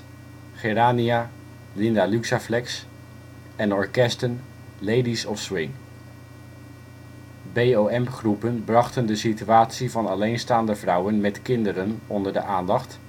Gerania, Linda Luxaflex en - orkesten Ladies of Swing. BOM-groepen brachten de situatie van alleenstaande vrouwen met kind (eren) onder de aandacht